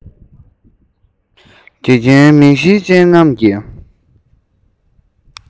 དགེ རྒན མིག ཤེལ ཅན རྣམས ཀྱིས